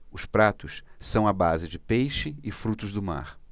os pratos são à base de peixe e frutos do mar